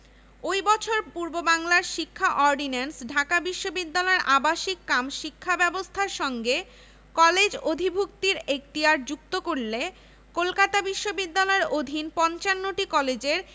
এবং ১৯৬৯ সালের গণঅভ্যুত্থান পরবর্তী সামরিক সরকার সারা দেশব্যাপী নির্যাতন ও ভীতিকর পরিবেশ সৃষ্টি করলে ১৯৭১ সালে বাঙালির মুক্তির লক্ষ্যে